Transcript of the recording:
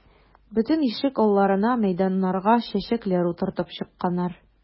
Бөтен ишек алларына, мәйданнарга чәчәкләр утыртып чыкканнар.